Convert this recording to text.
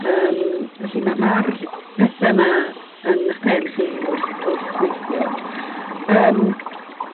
Yym felly ma' ma'r pethe 'ma yn 'ych pen chi wrth wrth weithio. Yym.